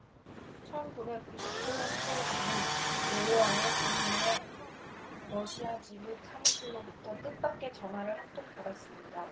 천 구백 구십 팔 년 초에 나는 여호와의 증인의 러시아 지부 사무실로부터 뜻밖의 전화를 한 통 받았습니다